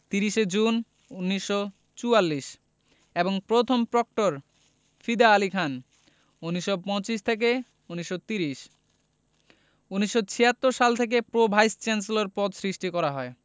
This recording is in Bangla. ৩০ জুন ১৯৪৪ এবং প্রথম প্রক্টর ফিদা আলী খান ১৯২৫ ১৯৩০ ১৯৭৬ সাল থেকে প্রো ভাইস চ্যান্সেলর পদ সৃষ্টি করা হয়